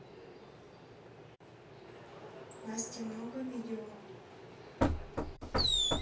настя много видео